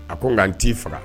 A ko n n t'i faga